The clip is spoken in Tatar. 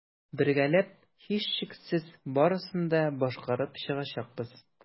Бергәләп, һичшиксез, барысын да башкарып чыгачакбыз.